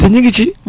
te ñu ngi ci